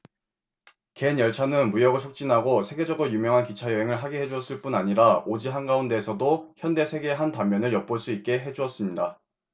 갠 열차는 무역을 촉진하고 세계적으로 유명한 기차 여행을 하게 해 주었을 뿐 아니라 오지 한가운데에서도 현대 세계의 한 단면을 엿볼 수 있게 해 주었습니다